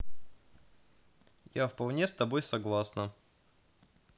я вполне с тобой согласна